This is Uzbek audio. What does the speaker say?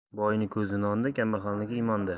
boyning ko'zi nonda kambag'alniki imonda